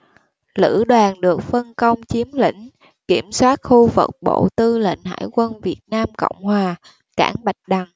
lữ đoàn được phân công chiếm lĩnh kiểm soát khu vực bộ tư lệnh hải quân việt nam cộng hòa cảng bạch dằng